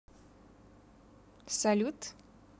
салют